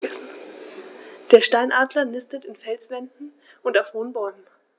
Der Steinadler nistet in Felswänden und auf hohen Bäumen.